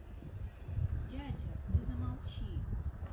дядя ты замолчи